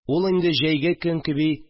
Ул инде, җәйге көн кеби